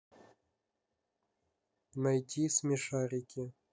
найти смешарики